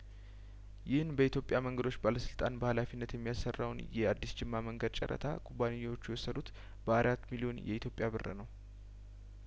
ይህን በኢትዮጵያ መንገዶች ባለስልጣን በሀላፊነት የሚያሰራውን የአዲስ ጅማ መንገድ ጨረታ ኩባንያዎቹ የወሰዱት በአራት ሚሊዮን የኢትዮጵያ ብር ነው